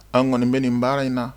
An kɔni bɛ nin baara in na